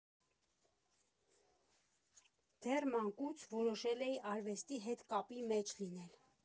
Դեռ մանկուց որոշել էի արվեստի հետ կապի մեջ լինել։